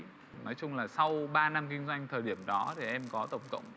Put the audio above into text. nói chung là sau ba năm kinh doanh thời điểm đó thì em có tổng cộng